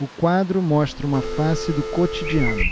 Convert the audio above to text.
o quadro mostra uma face do cotidiano